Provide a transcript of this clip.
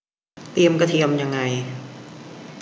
เตรียมกระเทียมยังไง